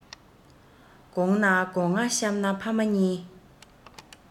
གོང ན གོ བརྡ གཤམ ན ཕ མ གཉིས